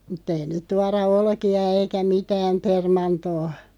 mutta ei nyt tuoda olkia eikä mitään permantoon